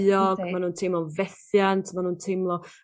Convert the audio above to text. ...euog ma' nw'n teimlo'n fethiant ma' nw'n teimlo